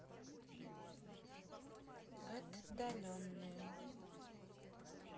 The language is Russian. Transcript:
отдаленные